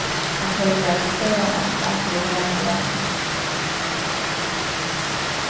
at tey vera til stóran ampa fyri grannalagið